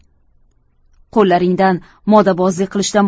qo'llaringdan modabozlik qilishdan